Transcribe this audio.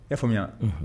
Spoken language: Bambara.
I'a faamuya